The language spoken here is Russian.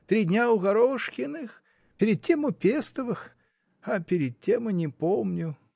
Три дня у Горошкиных, перед тем у Пестовых, а перед тем и не помню!